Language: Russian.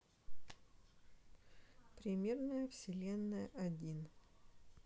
примерная вселенная один